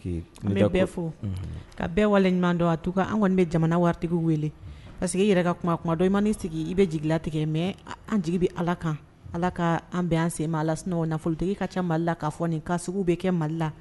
Hun. An bɛ bɛɛ fo. unhun. Ka bɛɛ wale ɲuman dɔn en tout cas an kɔni bɛ jamana waritigiw wele, parce que i yɛrɛ ka kuma tuma dɔw i man'i sigi i bɛ jigilatigɛ mais an jigi bɛ Ala kan Ala an bɛ sen ma a la sinon nafolo tigi ka ca Mali la, k'a dɔn k'a fɔ nin cas suguw bɛ kɛ Mali la